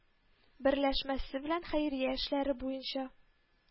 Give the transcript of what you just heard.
Берләшмәсе белән хәйрия эшләре буенча